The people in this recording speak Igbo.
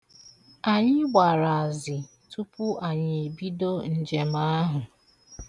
Anyị gbara azị tupu anyị bido njem ahụ.